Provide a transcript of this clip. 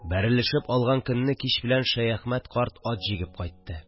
Бәрелешеп алган көнне кич белән Шәяхмәт карт ат җигеп кайтты